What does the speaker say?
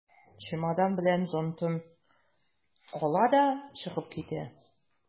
Чемодан белән зонтны ала да чыгып китә.